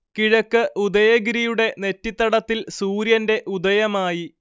കിഴക്ക് ഉദയഗിരിയുടെ നെറ്റിത്തടത്തിൽ സൂര്യന്റെ ഉദയമായി